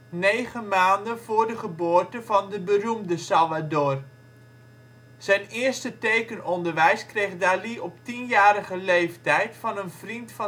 negen maanden voor de geboorte van de beroemde Salvador. Zijn eerste tekenonderwijs kreeg Dalí op tienjarige leeftijd van een vriend